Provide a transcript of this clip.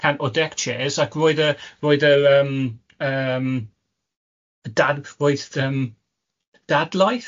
...cant o deck chairs ac roedd y, roedd yr yym yym dad- roedd yym dadlaeth?